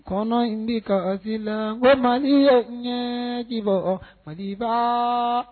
Kɔnɔ in ni kasi la ko ma ni ɲɛbɔ madi fa